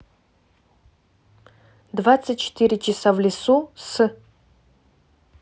двадцать четыре часа в лесу с